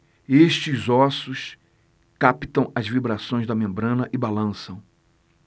estes ossos captam as vibrações da membrana e balançam